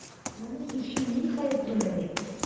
Моның өчен мин гаеплемени?